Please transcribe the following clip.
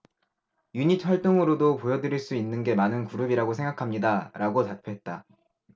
유닛 활동으로도 보여드릴 수 있는 게 많은 그룹이라고 생각합니다라고 답했다